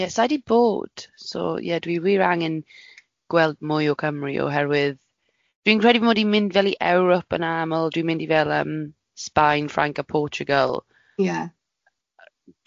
Ie, sai di bod, so ie dwi wir angen gweld mwy o Cymru oherwydd dwi'n credu fod i'n mynd fel i Ewrop yn aml, dwi'n mynd i fel yym Sbaen, Ffranc a, Portugal... Ie.